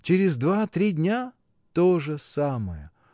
Через два, три дня — то же самое.